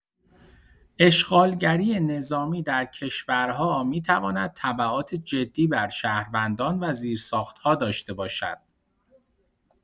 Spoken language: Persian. اشغالگری نظامی در کشورها می‌تواند تبعات جدی بر شهروندان و زیرساخت‌ها داشته باشد.